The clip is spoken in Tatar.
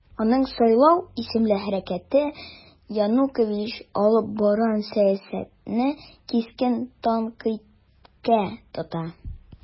Аның "Сайлау" исемле хәрәкәте Янукович алып барган сәясәтне кискен тәнкыйтькә тота.